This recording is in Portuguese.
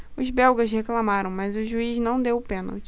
os belgas reclamaram mas o juiz não deu o pênalti